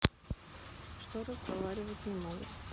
что разговаривать не могут